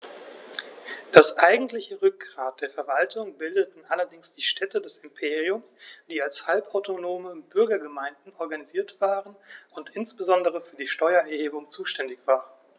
Das eigentliche Rückgrat der Verwaltung bildeten allerdings die Städte des Imperiums, die als halbautonome Bürgergemeinden organisiert waren und insbesondere für die Steuererhebung zuständig waren.